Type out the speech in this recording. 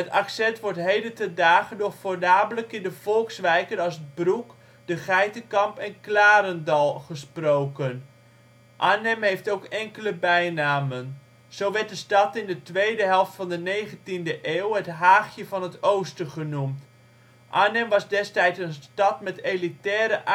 accent wordt heden ten dage nog voornamelijk in de volkswijken als ' t Broek, de Geitenkamp en Klarendal (uitspraak klèrendoal) gesproken. Arnhem heeft ook enkele bijnamen. Zo werd de stad in de 2e helft van de 19e eeuw het " Haagje van het Oosten " genoemd; Arnhem was destijds een stad met elitaire uitstraling